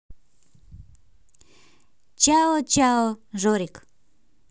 чао чао жорик